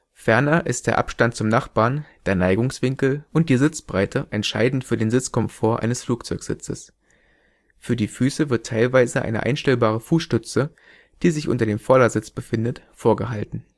Ferner ist der Abstand zum Nachbarn, der Neigungswinkel und die Sitzbreite entscheidend für den Sitzkomfort eines Flugzeugsitzes. Für die Füße wird teilweise eine einstellbare Fußstütze, die sich unter dem Vordersitz befindet, vorgehalten